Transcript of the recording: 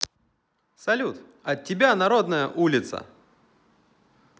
салют от тебя народная улица